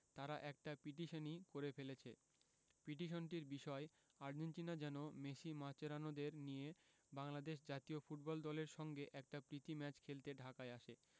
তারা একটা পিটিশনই করে ফেলেছে পিটিশনটির বিষয় আর্জেন্টিনা যেন মেসি মাচেরানোদের নিয়ে বাংলাদেশ জাতীয় ফুটবল দলের সঙ্গে একটা প্রীতি ম্যাচ খেলতে ঢাকায় আসে